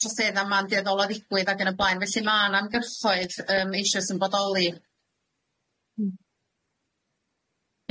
tosedda 'ma'n dueddol o ddigwydd ag yn y blaen felly ma' 'na ymgyrchoedd yym eishoes yn bodoli.